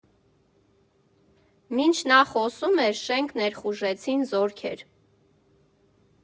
Մինչ նա խոսում էր, շենք ներխուժեցին զորքեր։